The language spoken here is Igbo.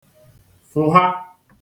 fụ̀ha